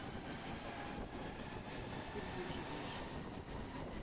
а ты где живешь